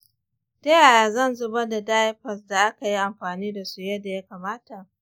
ta yaya zan zubar da diapers da aka yi amfani da su yadda ya kamata?